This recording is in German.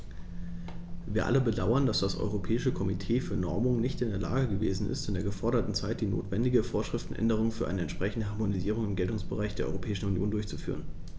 Wir alle bedauern, dass das Europäische Komitee für Normung nicht in der Lage gewesen ist, in der geforderten Zeit die notwendige Vorschriftenänderung für eine entsprechende Harmonisierung im Geltungsbereich der Europäischen Union durchzuführen.